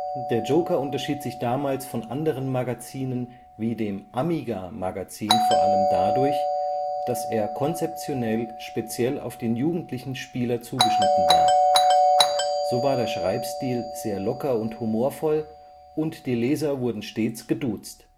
Der Joker unterschied sich damals von anderen Magazinen wie dem Amiga-Magazin vor allem dadurch, dass er konzeptionell speziell auf den jugendlichen Spieler zugeschnitten war. So war der Schreibstil sehr locker und humorvoll, und die Leser wurden stets geduzt